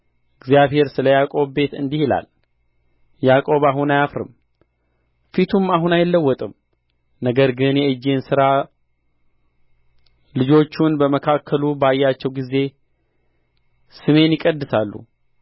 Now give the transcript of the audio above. እግዚአብሔር ስለ ያዕቆብ ቤት እንዲህ ይላል ያዕቆብ አሁን አያፍርም ፊቱም አሁን አይለወጥም ነገር ግን የእጄን ሥራ ልጆቹን በመካከሉ ባያቸው ጊዜ ስሜን ይቀድሳሉ